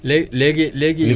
lée(à léegi léegi